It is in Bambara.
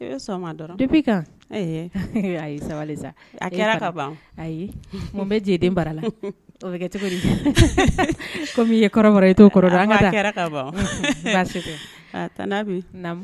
Ayi bara la